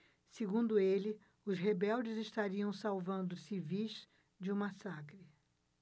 segundo ele os rebeldes estariam salvando os civis de um massacre